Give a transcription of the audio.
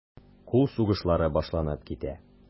Кул сугышлары башланып китә.